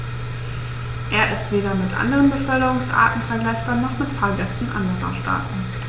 Er ist weder mit anderen Beförderungsarten vergleichbar, noch mit Fahrgästen anderer Staaten.